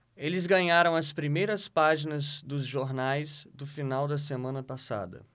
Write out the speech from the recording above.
eles ganharam as primeiras páginas dos jornais do final da semana passada